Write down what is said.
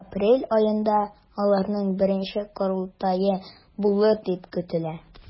Апрель аенда аларның беренче корылтае булыр дип көтелә.